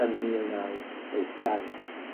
ym mil naw wyth dau.